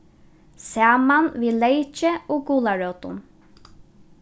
saman við leyki og gularótum